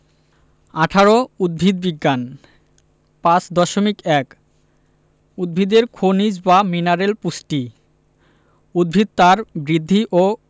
১৮ উদ্ভিদ বিজ্ঞান ৫.১ উদ্ভিদের খনিজ বা মিনারেল পুষ্টি উদ্ভিদ তার বৃদ্ধি ও